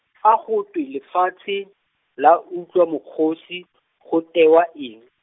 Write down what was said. fa go twe lefatshe, la utlwa mokgosi , go tewa eng?